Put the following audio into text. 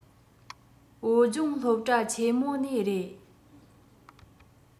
བོད ལྗོངས སློབ གྲྭ ཆེན མོ ནས རེད